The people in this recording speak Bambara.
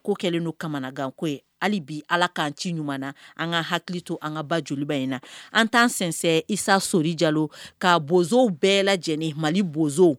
Ko kɛlen' kamana ganko ye hali bi ala k'an ci ɲuman na an ka hakili to an ka ba joliba in na an t'an sensɛn isa sori jalo ka bɔnzo bɛɛ lajɛleneni mali bɔnzo